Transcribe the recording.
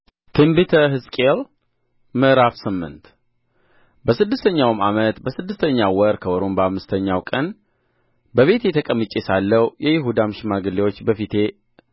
ትንቢተ ሕዝቅኤል ምዕራፍ ስምንት በስድስተኛውም ዓመት በስድስተኛው ወር ከወሩም በአምስተኛው ቀን በቤቴ ተቀምጬ ሳለሁ የይሁዳም ሽማግሌዎች በፊቴ